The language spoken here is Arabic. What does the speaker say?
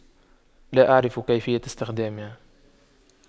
لا اعرف كيفية استخدامها